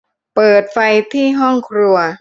เปิดไฟที่ห้องครัว